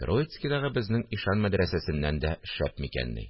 Троицкидагы безнең ишан мәдрәсәсеннән дә шәп микәнни